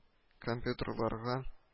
Компьютерларга